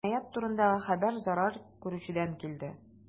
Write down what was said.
Җинаять турындагы хәбәр зарар күрүчедән килде.